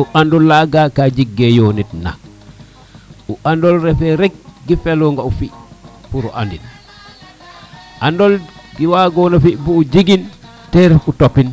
o andu laga ka jeg tige yonit na andu refe rek ku felonga o fi pour o andin andol ku wagona fi bo jegin te ref o topin